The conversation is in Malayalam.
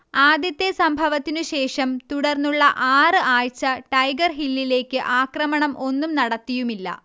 ആദ്യത്തെ സംഭവത്തിനു ശേഷം തുടർന്നുള്ള ആറ് ആഴ്ച ടൈഗർ ഹില്ലിലേക്ക് ആക്രമണം ഒന്നും നടത്തിയുമില്ല